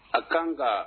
A kan ka